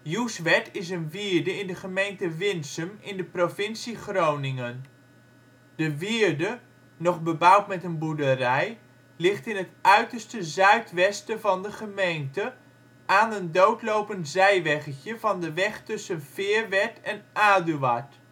Joeswerd is een wierde in de gemeente Winsum in de provincie Groningen. De wierde, nog bebouwd met een boerderij, ligt in het uiterste zuidwesten van de gemeente, aan een doodlopend zijweggetje van de weg tussen Feerwerd en Aduard